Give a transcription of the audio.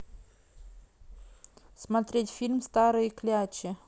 смотреть фильм старые клячи